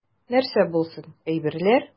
Нәрсә булсын, әйберләр.